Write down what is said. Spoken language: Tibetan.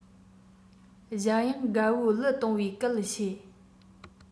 གཞན ཡང དགའ པོའི གླུ གཏོང བའི སྐད ཤེད